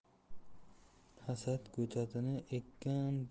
hasad ko'chatini ekkan